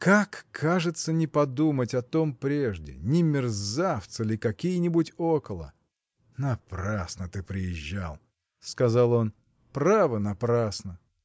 Как, кажется, не подумать о том прежде не мерзавцы ли какие-нибудь около? Напрасно ты приезжал! – сказал он, – право, напрасно!